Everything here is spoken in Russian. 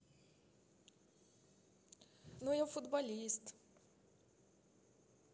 ну я футболист